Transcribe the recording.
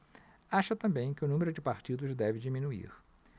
acha também que o número de partidos deve diminuir